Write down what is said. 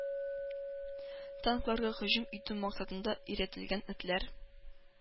Танкларга һөҗүм итү максатында өйрәтелгән этләр